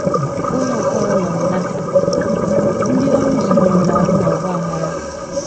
Ụlọ mkpọrọ Long Lartin: Ndị ọrụ isii merụrụ ahụ n’ọgbaghara